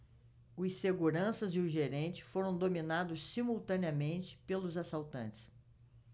os seguranças e o gerente foram dominados simultaneamente pelos assaltantes